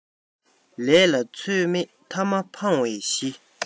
ལས ལ ཚོད མེད ཐ མ ཕང བའི གཞི